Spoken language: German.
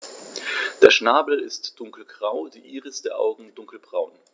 Der Schnabel ist dunkelgrau, die Iris der Augen dunkelbraun.